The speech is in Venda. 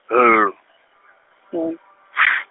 L O V.